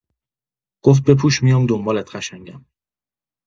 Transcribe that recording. گفت بپوش میام دنبالت قشنگم.